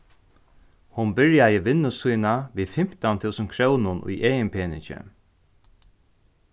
hon byrjaði vinnu sína við fimtan túsund krónum í eginpeningi